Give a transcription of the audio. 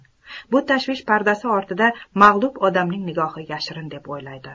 bu tashvish pardasi ortida mag'lub odamning nigohi yashirin deb o'ylagan